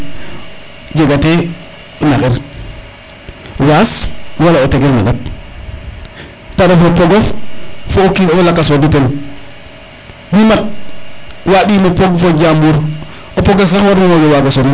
jega te naxir waax wala o tegel na ndat te ref o pogof fo o kino lakas fodu ten mi mat wandimo pog fo jambur poges sax warmo waro wago sonil